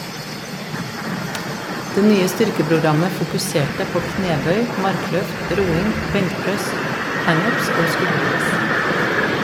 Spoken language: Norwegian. Det nye styrkeprogrammet fokuserte på knebøy, markløft, roing, benkpress, hang ups og skulderpress.